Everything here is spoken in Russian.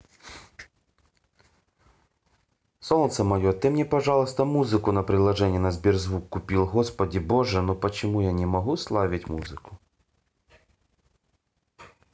солнце мое ты мне пожалуйста музыку на приложение на сбер звук купил господи боже ну почему я не могу не славить музыку